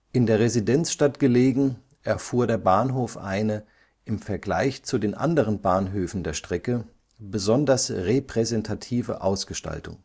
In der Residenzstadt gelegen, erfuhr der Bahnhof eine, im Vergleich zu den anderen Bahnhöfen der Strecke, besonders repräsentative Ausgestaltung